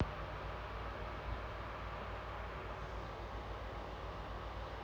ебнутая пиздец